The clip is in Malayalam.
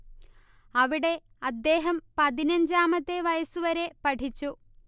അവിടെ അദ്ദേഹം പതിനഞ്ചാമത്തെ വയസ്സുവരെ പഠിച്ചു